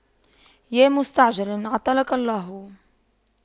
يا مستعجل عطلك الله